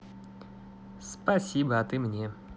спасибо а ты мне